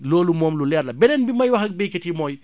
loolu moom lu leer la beneen bi may wax ak baykat yi mooy